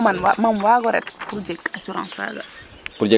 so mam waag o ret bo jeg assurance faga